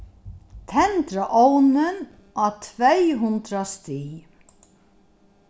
tendra ovnin á tvey hundrað stig